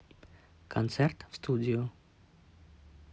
концерт а студио